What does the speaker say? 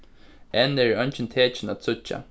enn eru eingi tekin at síggja